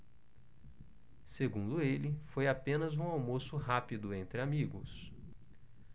segundo ele foi apenas um almoço rápido entre amigos